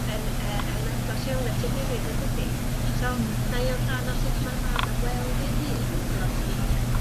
yn yy yn agos iawn at ei gilydd yndydi? So mae o'n rhan o sut ma'r fam yn weld ei hun lot o weithie.